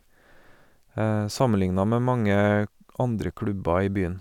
Sammenligna med mange andre klubber i byen.